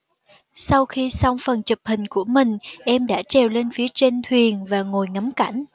sau khi xong phần chụp hình của mình em đã trèo lên phía trên thuyền và ngồi ngắm cảnh